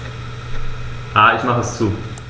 Ich mache es zu.